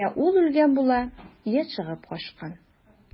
Йә ул үлгән була, йә чыгып качкан.